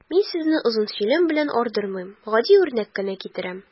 Мин сезне озын сөйләм белән ардырмыйм, гади үрнәк кенә китерәм.